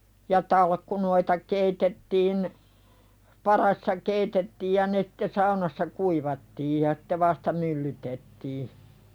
ja talkkunoita keitettiin padassa keitettiin ja ne sitten saunassa kuivattiin ja sitten vasta myllytettiin